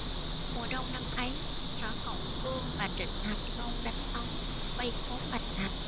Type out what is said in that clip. mùa đông năm ấy sở cộng vương và trịnh thành công đánh tống vây khốn bành thành